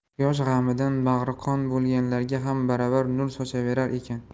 quyosh g'amidan bag'ri qon bo'lganlarga ham baravar nur sochaverar ekan